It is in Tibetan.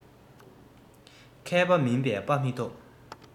མཁས པ མིན པས དཔའ མི ཐོབ